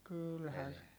kyllähän